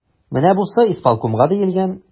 Менә бусы исполкомга диелгән.